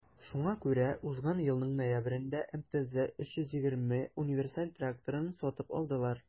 Шуңа күрә узган елның ноябрендә МТЗ 320 универсаль тракторын сатып алдылар.